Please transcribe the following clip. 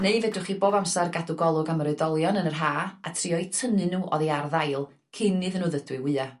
neu fedrwch chi bob amsar gadw golwg am yr oedolion yn yr Ha a trio'u tynnu n'w oddi ar ddail cyn iddyn n'w ddydwy wya.